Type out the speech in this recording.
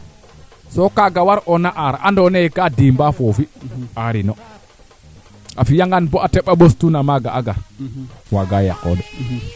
o fiya nge naaga bo ndap ne kaaf ke a njeg bulu a tuupa fad o naq sug duufik kaaf kewo sax ke